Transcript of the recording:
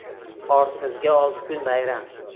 orsizga olti kun bayram